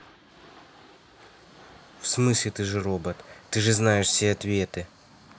в смысле ты же робот ты же знаешь все ответы